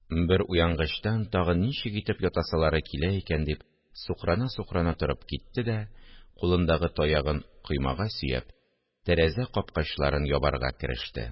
Бер уянгачтын, тагын ничек итеп ятасылары килә икән? – дип сукрана-сукрана торып китте дә, кулындагы таягын коймага сөяп, тәрәзә капкачларын ябарга кереште